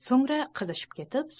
so'ngra qizishib ketib